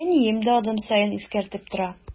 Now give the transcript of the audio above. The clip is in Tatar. Әнием дә адым саен искәртеп тора.